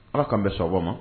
Ala k'an bɛ sababa ma.